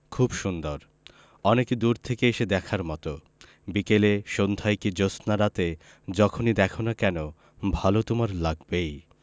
খুব সুন্দর অনেক দূর থেকে এসে দেখার মতো বিকেলে সন্ধায় কি জ্যোৎস্নারাতে যখনি দ্যাখো না কেন ভালো তোমার লাগবেই